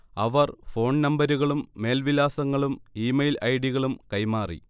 അവർ ഫോൺനമ്പരുകളും മേൽവിലാസങ്ങളും ഇമെയിൽ ഐഡികളും കൈമാറി